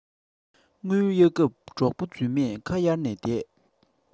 དངུལ གཡར སྐབས གྲོགས པོ རྫུན མས ཁ གཡར ནས བསྡད